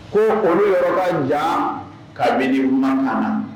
Ko olu yɔrɔ ka jaan kabini Ma nana